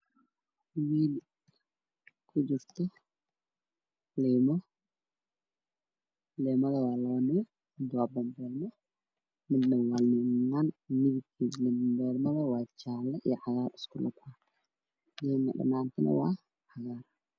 Waxaa ii muuqdo liin ku jirto weel kalarka liinta waxa uu ka kooban yahay jaalle cagaar